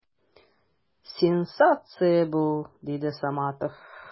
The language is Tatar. Сенсация бу! - диде Саматов.